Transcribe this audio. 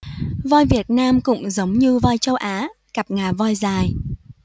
voi việt nam cũng giống như voi châu á cặp ngà voi dài